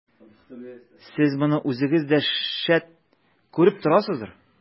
Сез моны үзегез дә, шәт, күреп торасыздыр.